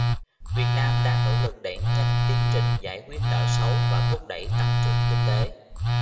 việt nam đang nỗ lực đẩy nhanh tiến trình giải quyết nợ xấu và thúc đẩy tăng trưởng kinh tế